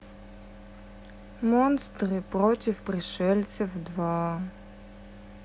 монстры против пришельцев два